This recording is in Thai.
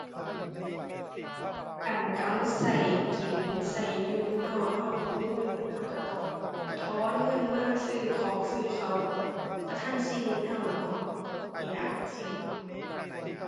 อั่น ก็เอามาก็กิน ก็อยู่เนาะ ก็บ่มีเงิน ก็ก็ต้องไปถอนเงินมาซื้อของซื้อข้าวประทังชีวิตก็ล่ะเนาะ นี่ล่ะชีวิต